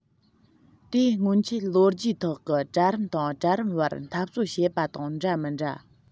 དེ སྔོན ཆད ལོ རྒྱུས ཐོག གི གྲལ རིམ དང གྲལ རིམ བར འཐབ རྩོད བྱེད པ དང འདྲ མི འདྲ